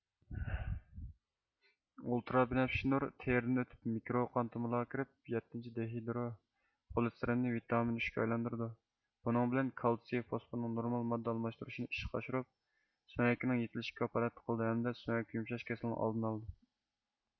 ئۇلتىرا بىنەپشە نۇر تېرىدىن ئۆتۈپ مىكرو قان تومۇرلارغا كىرىپ يەتتىنچى دىھېدرو خولېستېرىننى ۋىتامىن ئۈچكە ئايلاندۇرىدۇ بۇنىڭ بىلەن كالتسىي فوسفورنىڭ نورمال ماددا ئالماشتۇرۇشىنى ئىشقا ئاشۇرۇپ سۆڭەكنىڭ يېتىلىشىگە كاپالەتلىك قىلىدۇ ھەمدە سۆڭەك يۇمشاش كېسىلىنىڭ ئالدىنى ئالىدۇ